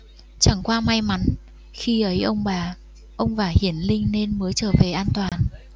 chẳng qua may mắn khi ấy ông bà ông vải hiển linh nên mới trở về an toàn